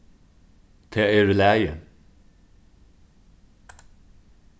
tað er í lagi